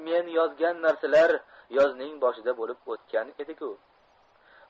men yozgan narsalar yozning boshida bo'lib o'tgan edi ku